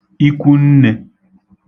ikwunnē